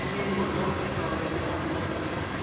Мне его жалко стало, и я заплакал.